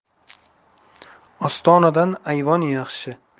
ostonadan ayvon yaxshi